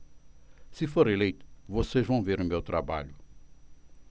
se for eleito vocês vão ver o meu trabalho